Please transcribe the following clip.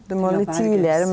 til å bergast.